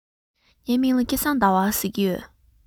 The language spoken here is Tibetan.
ངའི མིང ལ སྐལ བཟང ཟླ བ ཟེར གྱི ཡོད